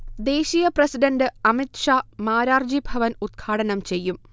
ദേശീയ പ്രെസിഡന്റ് അമിത്ഷാ മാരാർജി ഭവൻ ഉത്ഘാടനം ചെയ്യും